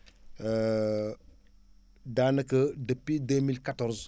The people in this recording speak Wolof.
daanaka depuis 2014